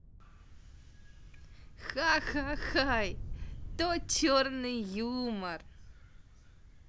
ха ха хай то черный юмор